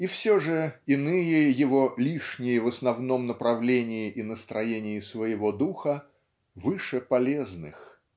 И все же иные его лишние в основном направлении и настроении своего духа выше полезных.